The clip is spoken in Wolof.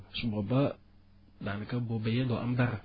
su booba daanaka boo bayee doo am dara